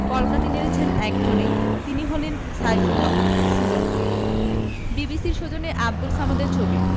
কলকাঠি নেড়েছেন একজনই তিনি হলেন সাইফুল হক সুজন বিবিসির সৌজন্যে আবদুল সামাদের ছবি